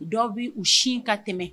Dɔw b bɛ u sin ka tɛmɛ